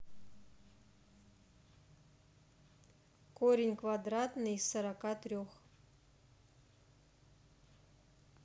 корень квадратный из сорока трех